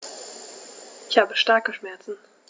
Ich habe starke Schmerzen.